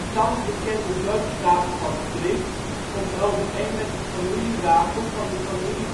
thans bekende dorpswapen van Tricht komt overeen met het familiewapen van de familie